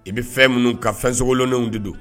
I bɛ fɛn minnu ka fɛn sogogolonnenw de don